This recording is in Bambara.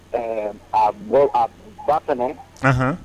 Ɛɛ a bɔ a ba kɛnɛ